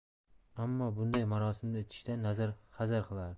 ammo bunday marosimda ichishdan hazar qilardi